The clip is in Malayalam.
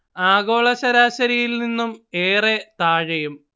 ആഗോള ശരാശരിയിൽ നിന്നും ഏറെ താഴെയും